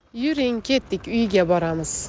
yuring ketdik uyiga boramiz